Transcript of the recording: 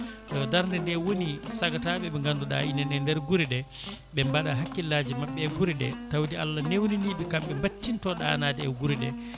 darde nde woni sagataɓe ɓe ganduɗa ina e nder guure ɗe ɓe mbaɗa hakkillaji mabɓe e guure ɗe tawde Allah newnaniɓe kamɓe battinto ɗanade e guure ɗe